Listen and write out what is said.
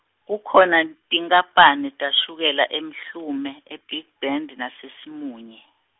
kukhona, tinkapane tashukela eMhlume, e- Big Bend, naseSimunye.